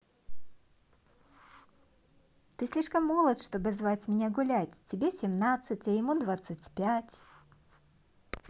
ты слишком молод чтобы звать меня гулять тебе семнадцать а ему двадцать пять